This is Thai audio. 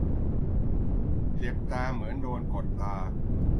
เจ็บตาเหมือนโดนกดตา